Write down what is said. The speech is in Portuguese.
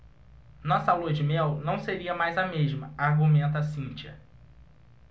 nossa lua-de-mel não seria mais a mesma argumenta cíntia